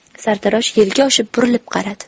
sartarosh yelkasi osha burilib qaradi